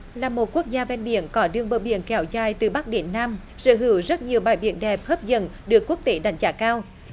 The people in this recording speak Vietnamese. là một quốc gia ven biển có đường bờ biển kéo dài từ bắc đến nam sở hữu rất nhiều bãi biển đẹp hấp dẫn được quốc tế đánh giá cao